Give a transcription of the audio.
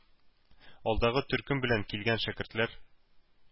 Алдагы төркем белән килгән шәкертләр,